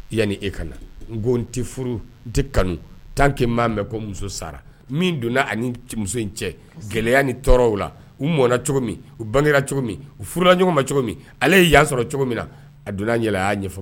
Yanni e ka na, n ko n tɛ furu, n tɛ kanu, tant que n ma mɛn ko n muso sara, min donna ani muso in cɛ gɛlɛya ni tɔɔrɔw la, u mɔnna cogo min, u bangera cogo min, u furula ɲɔgɔn ma cogo min , ale ye yan sɔrɔ cogo min na, a donn'a ɲɛ la, a y'a ɲɛfɔ